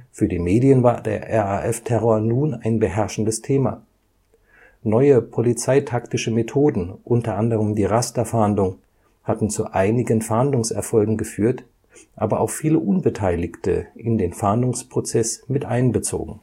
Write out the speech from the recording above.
Für die Medien war der RAF-Terror nun ein beherrschendes Thema. Neue polizeitaktische Methoden, unter anderem die Rasterfahndung, hatten zu einigen Fahndungserfolgen geführt, aber auch viele Unbeteiligte in den Fahndungsprozess mit einbezogen